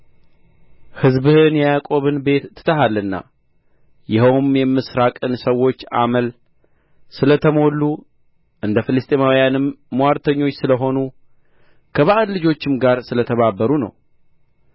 ሕዝብህን የያዕቆብን ቤት ትተሃልና ይኸውም የምሥራቅን ሰዎች አመል ስለ ተሞሉ እንደ ፍልስጥኤማውያንም ምዋርተኞች ስለ ሆኑ ከባዕድ ልጆችም ጋር ስለ ተባበሩ ነው